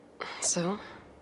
So?